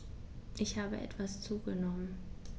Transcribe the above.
Ich habe etwas zugenommen